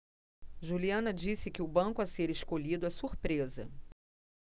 juliana disse que o banco a ser escolhido é surpresa